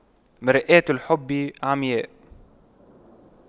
مرآة الحب عمياء